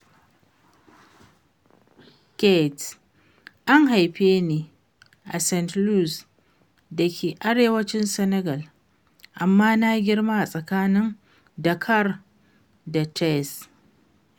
Keyti: An haife ni a Saint-Louis da yake arewacin Senegal, amma na girma a tsakanin Dakar da Thiès.